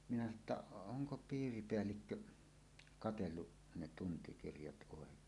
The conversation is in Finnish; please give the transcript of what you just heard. minä sanoin että onko piiripäällikkö katsellut ne tuntikirjat oikein